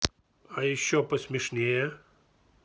а еще посмешнее